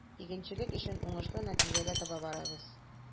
Игенчелек өчен уңышлы нәтиҗәгә таба барабыз.